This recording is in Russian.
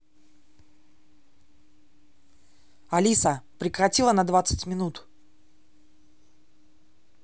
алиса прекратила на двадцать минут